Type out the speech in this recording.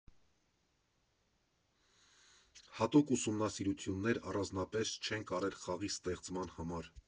Հատուկ ուսումնասիրություններ առանձնապես չենք արել խաղի ստեղծման համար։